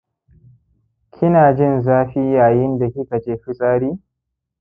kinajin zafi yayin da kikaje fitsari